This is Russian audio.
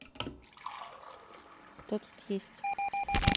кто тут есть